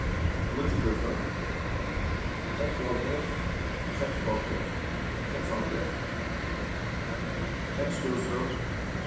níggju túsund seksoghálvfjerðs seksoghálvfjerðs seksoghálvfjerðs seks túsund